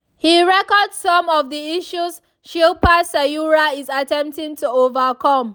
He records some of the issues Shilpa Sayura is attempting to overcome.